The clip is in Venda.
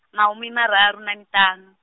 mahumimararu na miṱanu.